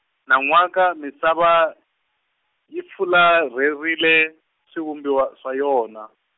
nan'waka misava, yi fularherile, swivumbiwa, swa yona.